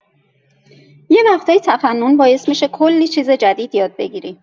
یه وقتایی تفنن باعث می‌شه کلی چیز جدید یاد بگیری.